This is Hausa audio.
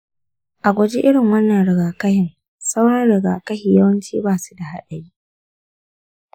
a guji irin wannan rigakafin. sauran rigakafi yawanci ba su da haɗari.